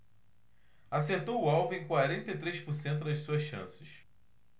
acertou o alvo em quarenta e três por cento das suas chances